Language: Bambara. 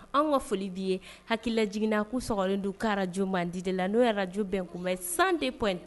Anw ka foli b'i ye hakilila jiginna k'u sɔgɔlen d'o ka radio mandi de la n'o ye radio Bɛn kunbɛn 102 point